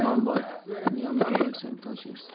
yomon yursang tosh yersan